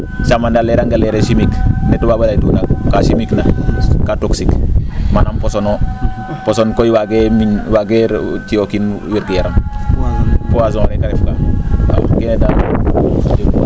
saama leeranga leer ee chimique ne toubabe a laytuna kaa chimique na kaa toxique manaam poson noo poson koy waagee miñ waagee ci' o kiin wergu yaram poison rek a ref kaa waaw keene `